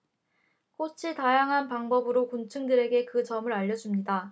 꽃이 다양한 방법으로 곤충들에게 그 점을 알려 줍니다